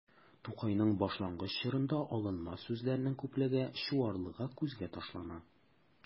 Тукайның башлангыч чорында алынма сүзләрнең күплеге, чуарлыгы күзгә ташлана.